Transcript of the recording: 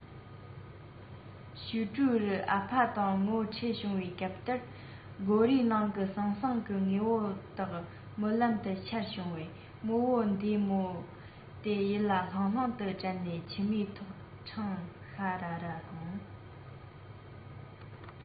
ཞུད ཀྲོའུ རུ ཨ ཕ དང ངོ འཕྲད བྱུང བའི སྐབས དེར སྒོ རའི ནང གི ཟང ཟིང གི དངོས པོ དག མིག ལམ དུ འཆར བྱུང བས རྨོ བོ འདས མོ དེ ཡིད ལ ལྷང ལྷང དུ དྲན ནས མཆི མའི ཐིགས ཕྲེང ཤ ར ར ལྷུང